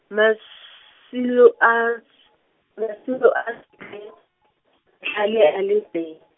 mas- silo a, -tlhale a le te-.